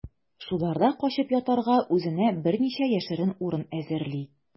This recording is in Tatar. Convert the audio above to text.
Шуларда качып ятарга үзенә берничә яшерен урын әзерли.